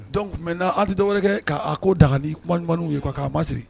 Don tun bɛ' an tɛ dɔw wɛrɛɛrɛ kɛ k'a ko dagakan ni kuma ɲumanw ye ka'a ma siri